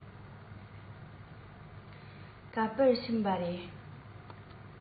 དཔྱིད ཀ ནི གསར སྐྱེས ཀྱི བྱིས པ དང འདྲ བར མ རྙིང ལང ཚོ གསར པ ཀུན ནས འཚར དུ ལོང ཞིང མཆིས